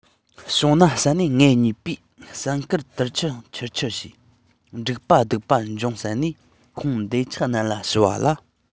བྱུང ན བསམས ནས ངེད གཉིས པོས བསམ དཀར དར ཆེན འཕྱར འཕྱར བྱས འགྲིག པ སྡུམ པ འབྱུང བསམ ནས ཁོང འདབ ཆགས རྣམས ལ ཞུས པ ལ